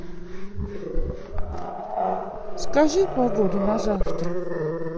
скажи погоду на завтра